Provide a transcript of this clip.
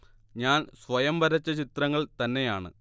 ഞാൻ സ്വയം വരച്ച ചിത്രങ്ങൾ തന്നെയാണ്